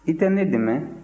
i tɛ ne dɛmɛ